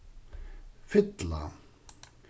fylla